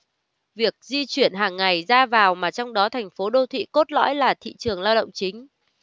việc di chuyển hàng ngày ra vào mà trong đó thành phố đô thị cốt lõi là thị trường lao động chính